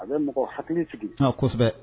A bɛ mɔgɔ hakili sigi , ann kosɛbɛ